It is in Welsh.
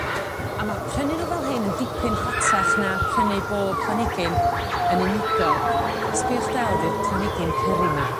A ma' prynu n'w fel hyn yn dipyn rhatach na prynu bob planigyn yn unigol a sbïwch del ydi'r planhigyn cyrri 'ma.